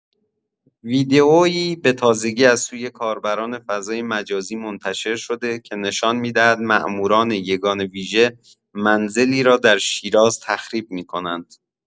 ویدیویی به تازگی از سوی کاربران فضای مجازی منتشر شده که نشان می‌دهد ماموران یگان ویژه، منزلی را در شیراز تخریب می‌کنند.